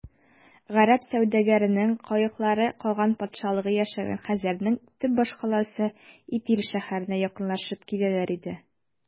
Гарәп сәүдәгәренең каеклары каган патшалыгы яшәгән хәзәрнең төп башкаласы Итил шәһәренә якынлашып киләләр иде.